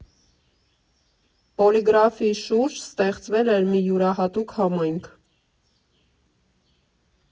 Պոլիգրաֆի շուրջ ստեղծվել էր մի յուրահատուկ համայնք։